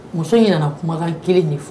Muso in nana kumakan kelen nin fɔ